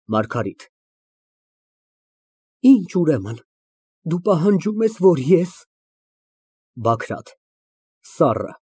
ՄԱՐԳԱՐԻՏ ֊ Ի՞նչ, ուրեմն, դու պահանջում ես, որ ես… ԲԱԳՐԱՏ ֊ (Սառը)